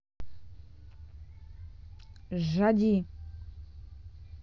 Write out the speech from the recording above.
жади